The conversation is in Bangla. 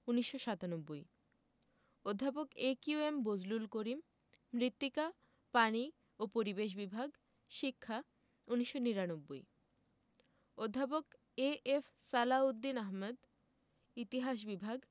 ১৯৯৭ অধ্যাপক A Q M Bazlul Karim মৃত্তিকা পানি ও পরিবেশ বিভাগ শিক্ষা ১৯৯৯ অধ্যাপক এ.এফ সালাহ উদ্দিন আহমদ ইতিহাস বিভাগ